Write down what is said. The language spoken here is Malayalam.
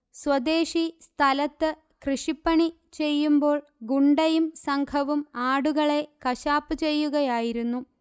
സ്വദേശി സ്ഥലത്ത് കൃഷിപ്പണി ചെയ്യുമ്പോൾ ഗുണ്ടയും സംഘവും ആടുകളെ കശാപ്പു ചെയ്യുകയായിരുന്നു